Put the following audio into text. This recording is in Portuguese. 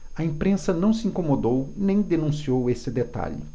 a imprensa não se incomodou nem denunciou esse detalhe